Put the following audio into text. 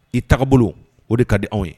I ta bolo o de ka di anw ye